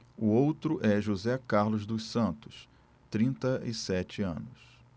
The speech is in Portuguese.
o outro é josé carlos dos santos trinta e sete anos